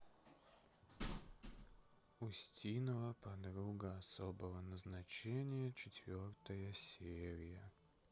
устинова подруга особого назначения четвертая серия